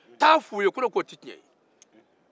taa fɔ u ye ko ne ko o tɛ tiɲɛ